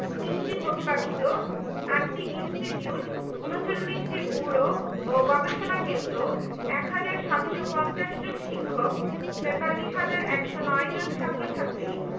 ৩টি প্রস্তাবিত ৮টি ইনস্টিটিউট ৩৯টি ব্যুরো ও গবেষণা কেন্দ্র ১ হাজার ৭৫০ জন শিক্ষক ৪৩ হাজার ১০৯ জন ছাত্র ছাত্রী